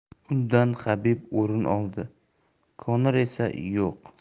undan habib o'rin oldi konor esa yo'q